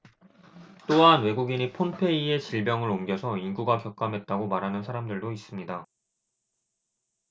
또한 외국인들이 폰페이에 질병을 옮겨서 인구가 격감했다고 말하는 사람들도 있습니다